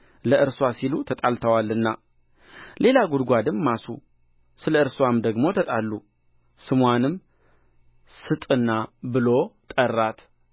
ለእርስዋ ሲሉ ተጣልተዋልና ሌላ ጕድጓድም ማሱ ስለ እርስዋም ደግሞ ተጣሉ ስምዋንም ስጥና ብሎ ጠራት